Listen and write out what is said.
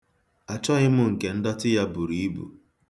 Achọghị m nke ndọtị ya buru ibu.